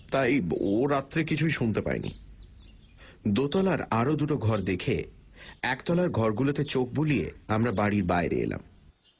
তাই ও রাত্রে কিছুই শুনতে পায়নি দোতলার আরও দুটা ঘর দেখে একতলার ঘরগুলোতে চোখ বুলিয়ে আমরা বাড়ির বাইরে এলাম